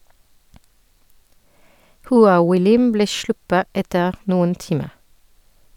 Hua Huilin ble sluppet etter noen timer.